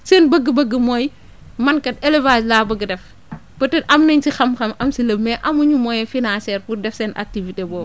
seen bëgg-bëgg mooy man kay élévage laa bëgg def peut être am nañ ci xam-xam am si le mais amuñu moyen financière pour def seen ay activité boobu